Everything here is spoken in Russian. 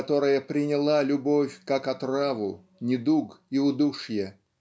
которая приняла любовь как отраву недуг и удушье.